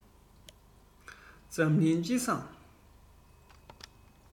འཛམ གླིང སྤྱི བསང